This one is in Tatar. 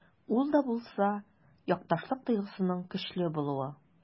Ул да булса— якташлык тойгысының көчле булуы.